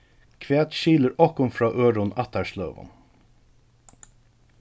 hvat skilur okkum frá øðrum ættarsløgum